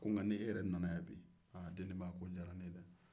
ko nka ni e yɛrɛ nana yan bi aa ko deninba o jara ne ye dɛɛ